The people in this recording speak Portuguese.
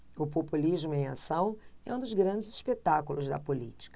o populismo em ação é um dos grandes espetáculos da política